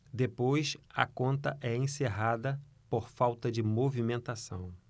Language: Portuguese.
depois a conta é encerrada por falta de movimentação